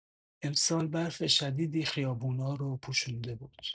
امسال برف شدیدی خیابونا رو پوشونده بود.